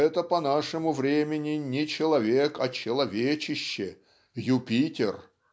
Это по нашему времени не человек, а человечище, Юпитер").